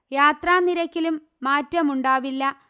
യാത്രാ നിരക്കിലും മാറ്റമുണ്ടാവില്ല